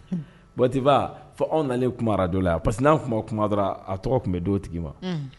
Ti fɔ anw nalen kumara don la yan parce que anw kuma kuma dɔrɔn a tɔgɔ tun bɛ don tigi ma